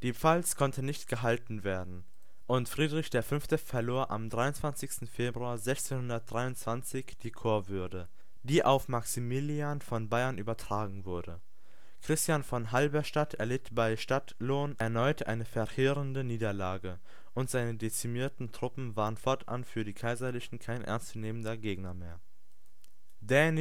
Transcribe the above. Pfalz konnte nicht gehalten werden und Friedrich V. verlor am 23. Februar 1623 die Kurwürde, die auf Maximilian von Bayern übertragen wurde. Christian von Halberstadt erlitt bei Stadtlohn erneut eine verheerende Niederlage und seine dezimierten Truppen waren fortan für die Kaiserlichen kein ernstzunehmender Gegner mehr